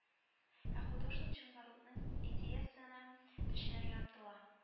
Ә художник чынбарлыкның идеясенә төшенергә омтыла